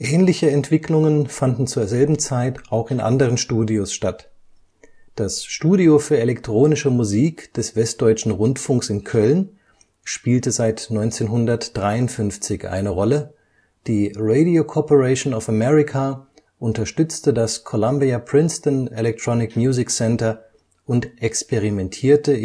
Ähnliche Entwicklungen fanden zur selben Zeit auch in anderen Studios statt. Das Studio für elektronische Musik des Westdeutschen Rundfunks in Köln spielte seit 1953 eine Rolle, die Radio Corporation of America unterstützte das Columbia-Princeton Electronic Music Center und experimentierte